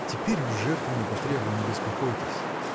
– Теперь уж жертвы не потребую – не беспокойтесь.